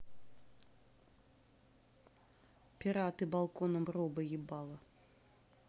пираты балконом роба ебала